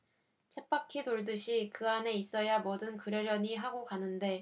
쳇바퀴 돌 듯이 그 안에 있어야 뭐든 그러려니 하고 가는데